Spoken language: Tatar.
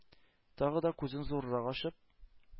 Тагы да күзен зуррак ачып,